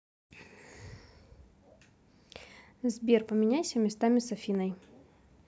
сбер поменяйся местами с афиной